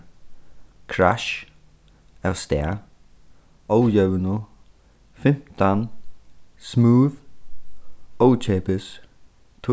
krassj avstað ójøvnu fimtan smooth ókeypis